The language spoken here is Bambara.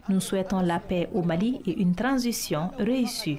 Ninsytɔon la o malidiranzsisi roo ye su